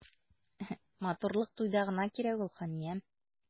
Матурлык туйда гына кирәк ул, ханиям.